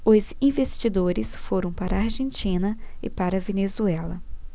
os investidores foram para a argentina e para a venezuela